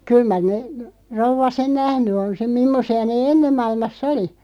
kyllä mar - rouva sen nähnyt on sen mimmoisia ne ennen maailmassa oli